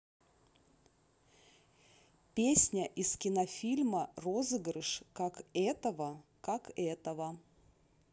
песня из кинофильма розыгрыш как этого как этого